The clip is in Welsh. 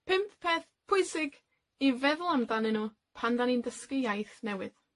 Pump peth pwysig i feddwl amdanyn nw pan 'dan ni'n dysgu iaith newydd.